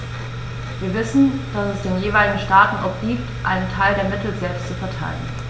Wir wissen, dass es den jeweiligen Staaten obliegt, einen Teil der Mittel selbst zu verteilen.